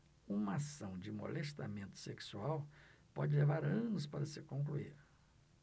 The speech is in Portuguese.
uma ação de molestamento sexual pode levar anos para se concluir